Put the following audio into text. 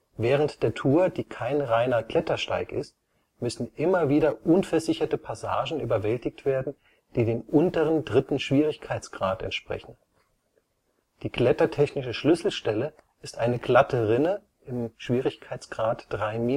Während der Tour, die kein reiner Klettersteig ist, müssen immer wieder unversicherte Passagen bewältigt werden, die dem unteren III. Schwierigkeitsgrad entsprechen. Die klettertechnische Schlüsselstelle ist eine glatte Rinne (III -). Im